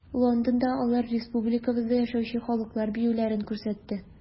Лондонда алар республикабызда яшәүче халыклар биюләрен күрсәтте.